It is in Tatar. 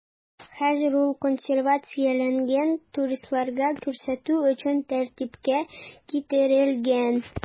Хәзер ул консервацияләнгән, туристларга күрсәтү өчен тәртипкә китерелгән.